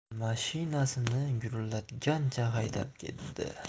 mashinasini gurillatgancha haydab ketdi